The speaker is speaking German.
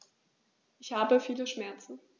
Ich habe viele Schmerzen.